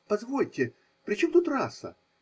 – Позвольте, при чем тут раса?